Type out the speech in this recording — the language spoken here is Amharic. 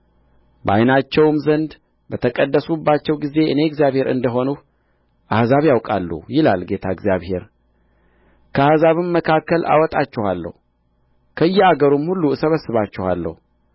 በዓይናቸውም ዘንድ በተቀደስሁባችሁ ጊዜ እኔ እግዚአብሔር እንደ ሆንሁ አሕዛብ ያውቃሉ ይላል ጌታ እግዚአብሔር ከአሕዛብም መካከል አወጣችኋለሁ ከየአገሩም ሁሉ እሰበስባችኋለሁ